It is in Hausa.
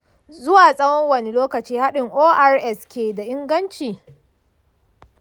zuwa tsawon wane lokaci haɗin ors ke da inganci?